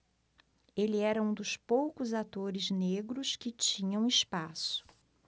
ele era um dos poucos atores negros que tinham espaço